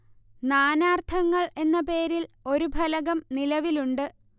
നാനാർത്ഥങ്ങൾ എന്ന പേരിൽ ഒരു ഫലകം നിലവിലുണ്ട്